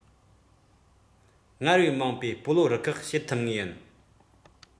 སྔར བས མང པའི སྤོ ལོ རུ ཁག བྱེད ཐུབ ངེས ཡིན